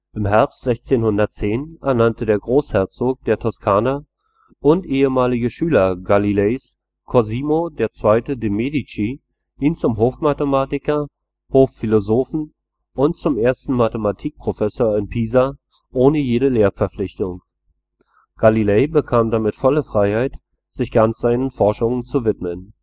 Herbst 1610 ernannte der Großherzog der Toskana und ehemalige Schüler Galileis Cosimo II. de’ Medici ihn zum Hofmathematiker, Hofphilosophen und zum ersten Mathematikprofessor in Pisa ohne jede Lehrverpflichtung. Galilei bekam damit volle Freiheit, sich ganz seinen Forschungen zu widmen